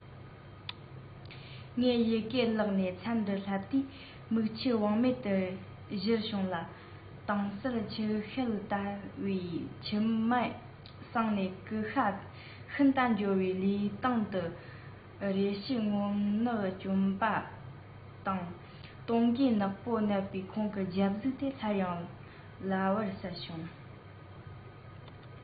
ངས ཡི གེ བཀླགས ནས མཚམས འདིར སླེབས དུས མིག ཆུ དབང མེད དུ བཞུར བྱུང ལ དྭངས གསལ ཆུ ཤེལ ལྟ བུའི མཆི མའི གསིང ནས སྐུ ཤ ཤིན ཏ འབྱོར བའི ལུས སྟེང དུ རས ཕྱུ སྔོ ནག གྱོན པ དང སྟོད གོས ནག པོ མནབས པའི ཁོང གི རྒྱབ གཟུགས དེ སླར ཡང ཝ ལེར གསལ བྱུང